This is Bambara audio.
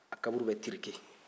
a kaburu bɛ turiki